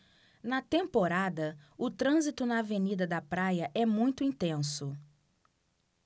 na temporada o trânsito na avenida da praia é muito intenso